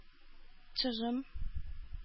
Чыжым